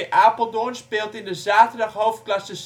Apeldoorn speelt in de Zaterdag Hoofdklasse